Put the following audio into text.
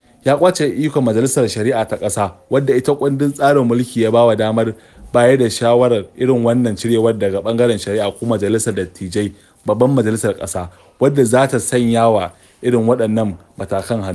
Ya ƙwace ikon Majalisar Shari'a ta ƙasa wadda ita kundin tsarin mulki ya ba wa damar bayar da shawarar irin wannan cirewar daga ɓangaren shari'a ko majalisar dattijai (babbar majalisar ƙasa) wadda za ta sanya wa irin waɗannan matakan hannu.